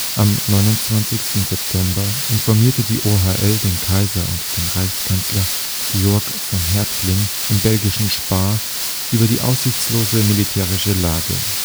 Am 29. September informierte die OHL den Kaiser und den Reichskanzler Georg von Hertling im belgischen Spa über die aussichtslose militärische Lage